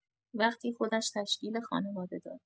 وقتی خودش تشکیل خانواده داد.